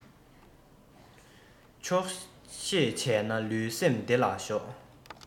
ཆོག ཤེས བྱས ན ལུས སེམས བདེ ལ འཇོག